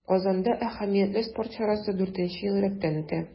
Казанда әһәмиятле спорт чарасы дүртенче ел рәттән үтә.